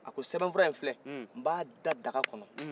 a ko sɛbɛn fura nin filɛ n b'a da daga kɔnɔ